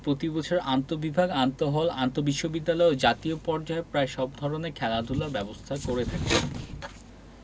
প্রতিবছর আন্তঃবিভাগ আন্তঃহল আন্তঃবিশ্ববিদ্যালয় ও জাতীয় পর্যায়ে প্রায় সব ধরনের খেলাধুলার ব্যবস্থা করে থাকে